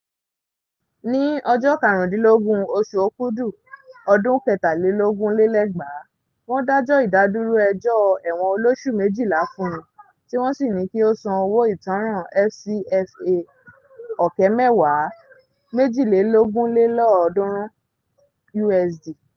Ní ọjọ́ 15 oṣù Òkudù, ọdún 2023, wọ́n dájọ́ ìdádúró ẹjọ́ ẹ̀wọ̀n olóṣù-12 fún un tí wọ́n sì ní kí ó san owó ìtanràn FCFA 200,000 (USD 322).